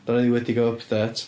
Dan ni wedi cael update.